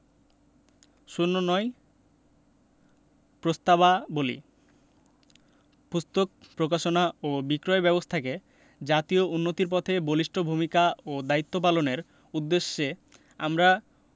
০৯ প্রস্তাবাবলী পুস্তক প্রকাশনা ও বিক্রয় ব্যাবস্থাকে জাতীয় উন্নতির পথে বলিষ্ঠ ভূমিকা ও দায়িত্ব পালনের উদ্দেশ্যে আমরা